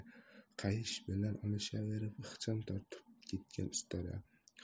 qayish bilan olishaverib ixcham tortib ketgan ustara